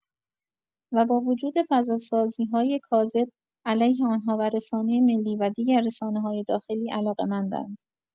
و با وجود فضاسازی‌های کاذب علیه آنها و رسانه ملی و دیگر رسانه‌های داخلی، علاقه‌مندند.